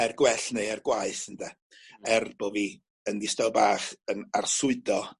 er gwell neu e'r gwaeth ynde er bo' fi yn ddistaw bach yn arswydo